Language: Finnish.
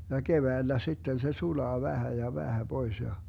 ja keväällä sitten se sulaa vähän ja vähän pois ja